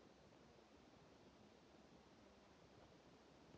первый мститель противостояние